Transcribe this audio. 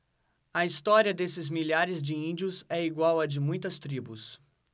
a história desses milhares de índios é igual à de muitas tribos